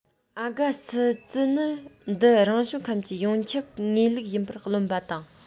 ཨ དགའ སི ཛི ནི འདི རང བྱུང ཁམས ཀྱི ཡོངས ཁྱབ ངེས ལུགས ཡིན པར རློམ པ དང